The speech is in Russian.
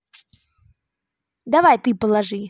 давай ты положи